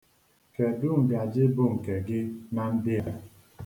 Kedu ngaji bụ nke gị na ndịa?